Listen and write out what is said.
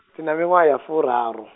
ndina miṅwaha ya furaru.